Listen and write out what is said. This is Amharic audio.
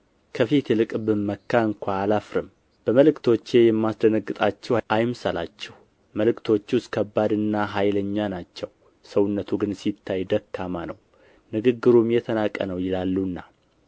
ከፊት ይልቅ ብመካ እንኳ አላፍርም በመልእክቶቼ የማስደነግጣችሁ አይምሰላችሁ መልእክቶቹስ ከባድና ኃይለኛ ናቸው ሰውነቱ ግን ሲታይ ደካማ ነው ንግግሩም የተናቀ ነው ይላሉና